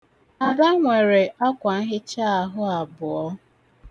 Ada nwere akwanhichaahụ abụọ.